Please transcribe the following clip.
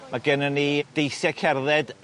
ma' gennon ni deithiau cerdded